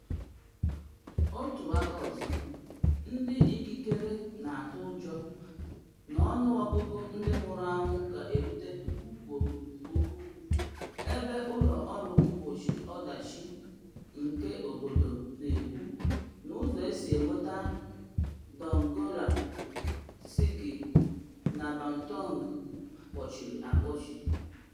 Otu aka ọzọ, ndị ikikere na atụ ụjọ na ọnụọgụ ndị nwụrụ anwụ ga-erute puku kwụrụ puku ebe ụlọ ọrụ mgbochi ọdachi nke obodo na ekwu n’ụzọ esi enweta Donggala, Sigi na Boutong kpọchiri akpọchi.